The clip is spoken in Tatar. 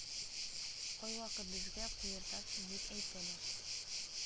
Кайвакыт безгә куертасыз дип әйтәләр